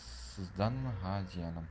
sizdanmi ha jiyanim